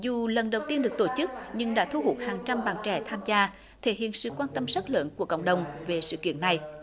dù lần đầu tiên được tổ chức nhưng đã thu hút hàng trăm bạn trẻ tham gia thể hiện sự quan tâm rất lớn của cộng đồng về sự kiện này